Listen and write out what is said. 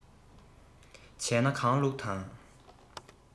བྱས ན གང བླུགས དང